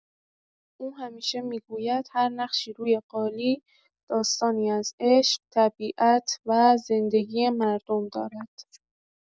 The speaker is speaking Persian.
او همیشه می‌گوید هر نقشی روی قالی، داستانی از عشق، طبیعت و زندگی مردم دارد.